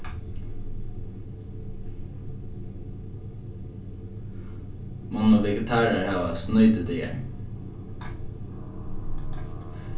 munnu vegetarar hava snýtidagar